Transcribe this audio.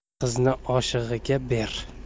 qizni oshig'iga ber